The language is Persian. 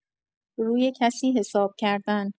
روی کسی حساب کردن